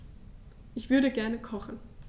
Ich würde gerne kochen.